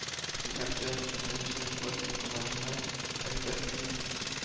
—сез нәрсә, бөтен эшне шулай телефоннан гына хәл итәсезме